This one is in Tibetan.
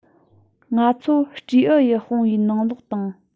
ང ཚོ སྤྲེའུ ཡི དཔུང བའི ནང ལོགས དང